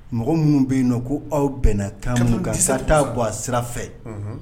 Mɔgɔ minnu bɛ yen nɔ ko aw bɛnkan ka sata bɔ a sira fɛ